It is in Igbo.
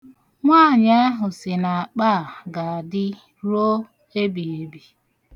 Nwaanyị ahụ sị n'akpa a ga-adị ruo ebighiebi.